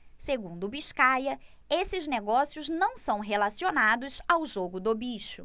segundo biscaia esses negócios não são relacionados ao jogo do bicho